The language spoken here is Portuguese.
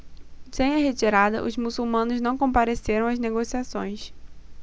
sem a retirada os muçulmanos não compareceram às negociações